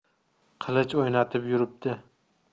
qilich o'ynatib yuribdi